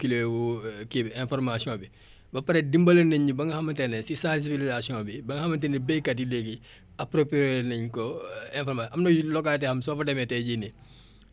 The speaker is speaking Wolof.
ba pare dimbale nañ ñu ba nga xamante ne si sensibilisation bi ba nga xamante ni béykat yi léegi approprié nañ ko informa am na yu localités yoo xam ne soo fa demee tey jii nii béykat ba la gën a sori